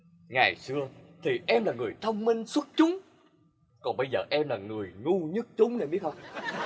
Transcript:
ngày xưa thì em là người thông minh xuất chúng còn bây giờ em là người ngu nhất chúng em biết không